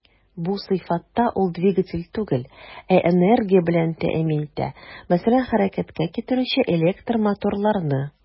Бу сыйфатта ул двигатель түгел, ә энергия белән тәэмин итә, мәсәлән, хәрәкәткә китерүче электромоторларны.